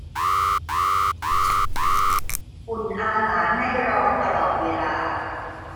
อุ่นอาหารให้ร้อนตลอดเวลา